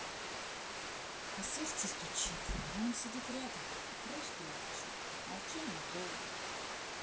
а сердце стучит а он сидит рядом и просто молчит молчание золото